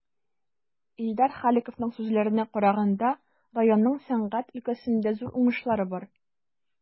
Илдар Халиковның сүзләренә караганда, районның сәнәгать өлкәсендә зур уңышлары бар.